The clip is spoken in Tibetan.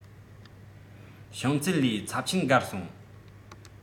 ཤོང ཚད ལས ཚབས ཆེན བརྒལ སོང